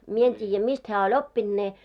minä en tiedä mistä hän oli oppinut ne